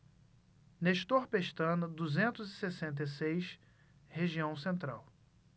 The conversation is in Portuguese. nestor pestana duzentos e sessenta e seis região central